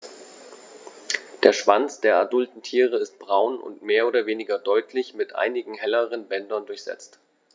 Der Schwanz der adulten Tiere ist braun und mehr oder weniger deutlich mit einigen helleren Bändern durchsetzt.